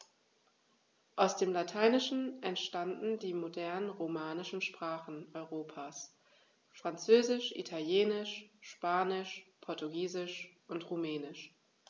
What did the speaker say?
Aus dem Lateinischen entstanden die modernen „romanischen“ Sprachen Europas: Französisch, Italienisch, Spanisch, Portugiesisch und Rumänisch.